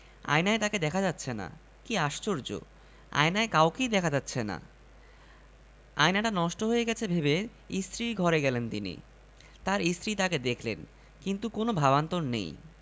তাঁর বুকে সুখের মতো ব্যথা টাইপের অনুভূতি হচ্ছে বিছানা থেকে নেমে আয়নার সামনে দাঁড়িয়ে ভয় পেয়ে গেলেন তিনি